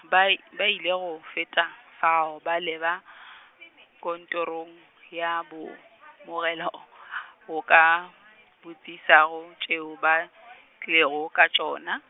ba i-, ba ile go feta fao ba leba , kantorong ya boamogelo go ka botšiša ka tšeo ba tlilego ka tšona.